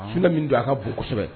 Fula min don a ka bon kosɛbɛ